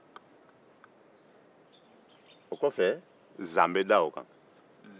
o kɔfe zan be da o kan